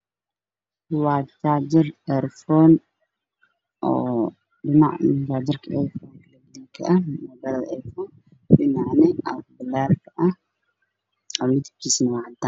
Waa jaajar ay rafoon dhinac ka ah jajar ayrafoon, dhinacna waxuu kayahay afbalaar.